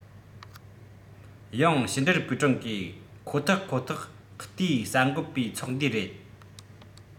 དབྱང ཕྱི འབྲེལ པུའུ ཀྲང གིས ཁོ ཐག ཁོ ཐག བལྟས གསར འགོད པའི ཚོགས འདུའི རེད